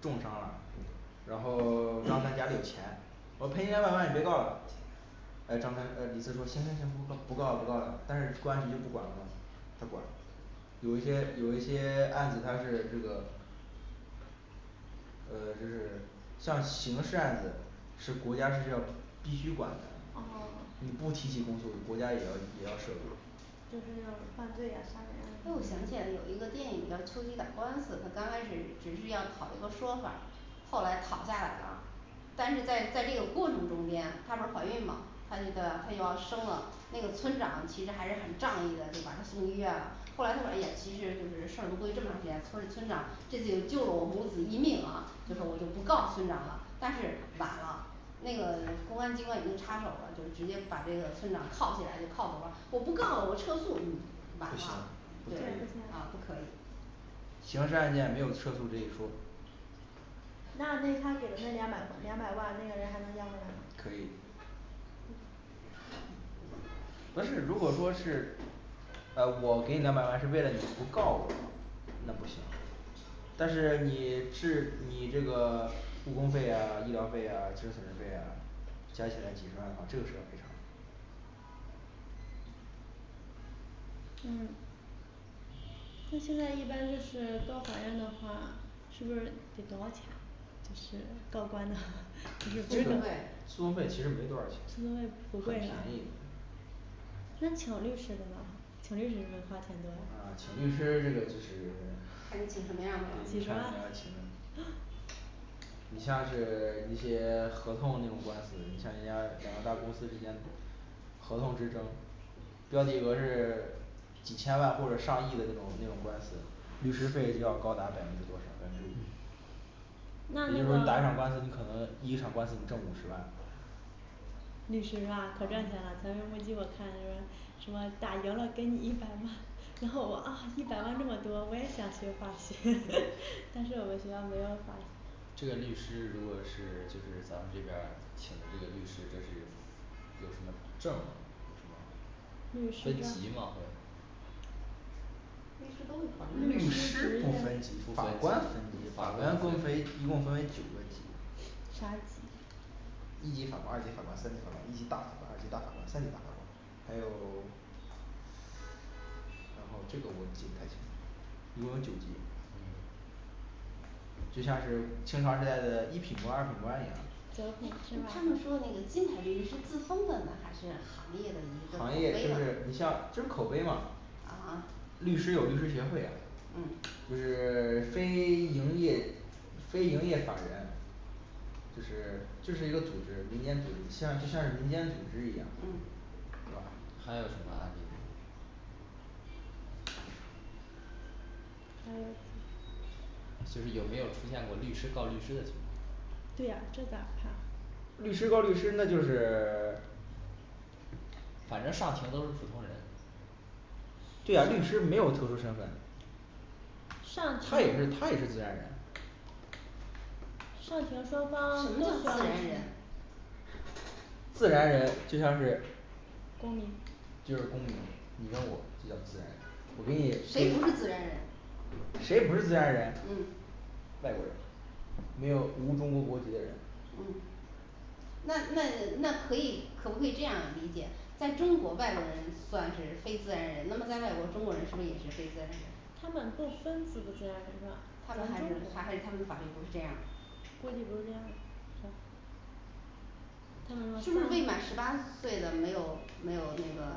重伤了对然后 张三家里有钱，我赔你两百万你别告了，诶张三呃李四说行行行不告不告了不告了，但是公安局就不管了吗。他管有一些有一些 案子他是这个呃就是像刑事案子是国家是要必须管的，你哦不提起公诉国家也要也要涉及，就是让犯罪的发这展，我想起来有一个电影叫秋菊打官司，她刚开始只是要讨一个说法，后来吵架来了，但是在在这个过程中间她不是怀孕嘛，她觉得她要生了那个村长，其实还是很仗义的就把她送医院，后来她说哎呀其实就是事儿都过去这么长时间，村儿村长这次又救了我母子一命啊，就说我就不嗯告村长了，但是晚了那个公安机关已经插手了，就是直接把这个村长拷起来就拷走了，我不告诉我撤诉，嗯晚不行了，对不啊不可以不行可以，刑事案件没有撤诉这一说，那那他给的那两百两百万那个人还能要回来吗？可以。不是如果说是呃我给你两百万是为了你不告我，那不行，但是你是你这个 误工费呀、医疗费呀，其它损失费呀加起来几十万的话，这个是要赔偿的。嗯那现在一般就是告法院的话，是不是得多少钱？是告官呐 其实,诉讼费诉讼费其实没多少诉讼钱费。不很贵便是吧宜。像请律师的呢请律师是不是花钱多啊啊请律师那个其实，看你请什么样几看你十的万 要 请你像是 一些 合同那种官司，你像人家两个大公司之间合同之争，标记额是几几千万或者上亿的那种那种官司，律师费就要高达百分之多少？百分之五，嗯那也就你是说你打一场官司，你可能一场官司你挣五十万，律师是吧？可赚钱了，反啊正估计我看就是什么打赢了给你一百万，然后我啊一百万那么多，我也想学法学， 但是我们学校没有法这个律师如果是就是咱们这边儿请这个律师，就是有那个证儿吗？律师分证级吗儿会律师都会考律师不分级法官分级，法官共分，一共分为九个题。法一级法官二级法官三级法官，一级大法官二级大法官三级大法官。还有 然后这个我记不太清楚了。一共有九级，就像是清朝时代的一品官儿二品官一样，就是诶他们说那个金牌律师是自封的呢，还是行业的一个口行业，碑就呢，是你像就是口碑嘛啊 律师有律师协会呀嗯，就是 非营业非营业法人，就是 就是一个组织，民间组织像就像是民间组织一样嗯，是吧还有什么案例？还 就是有没有出现过律师告律师的情况？对呀这咋判？律师告律师那就是。 反正上庭都是普通人。对啊律师没有特殊身份。上他也是庭他也是自然人。上庭双什方么都需叫要自律然师人自然人就像是公民就是公民你跟我就叫自然人，我跟你谁不是自然人？谁不是自然人嗯？外国人。没有无中国国籍的人，嗯那那那可以可不可以这样理解？在中国外国人算是非自然人，那么在外国中国人是不是也是非自然人？他们不分自不自然人是吧？我他们还是他还们他中国，们法律不是这样的？估计不是这样的。他们是说不是未满十八岁的没有没有那个